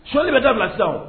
Soɲali bɛ da bila sisan oo